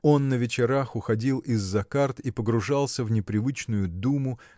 Он на вечерах уходил из-за карт и погружался в непривычную думу